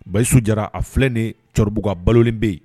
Basiyisu jara a filɛ ni cɛkɔrɔbabuguba balolen bɛ yen